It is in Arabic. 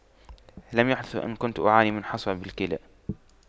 لم يحدث وان كنت أعاني من حصوة بالكلى